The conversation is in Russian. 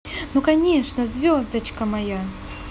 ну конечно звездочка моя